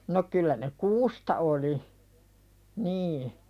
no kyllä ne kuusta oli niin